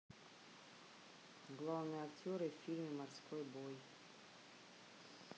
главные актеры в фильме морской бой